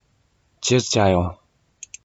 རྗེས སུ མཇལ ཡོང